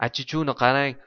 achichuvni qarang